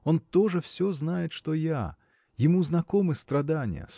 он то же все знает, что я: ему знакомы страдания.